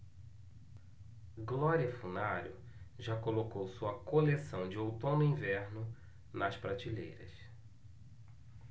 glória funaro já colocou sua coleção de outono-inverno nas prateleiras